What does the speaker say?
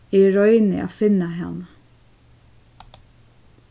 eg royni at finna hana